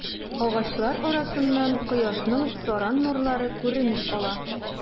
Агачлар арасыннан кояшның саран нурлары күренеп ала.